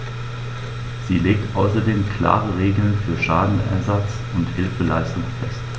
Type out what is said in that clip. Sie legt außerdem klare Regeln für Schadenersatz und Hilfeleistung fest.